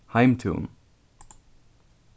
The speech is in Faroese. heimtún